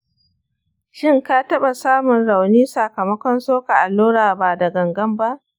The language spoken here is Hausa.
shin ka taɓa samun rauni sakamakon soka allura ba da gangan ba?